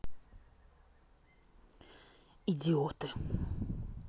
идиоты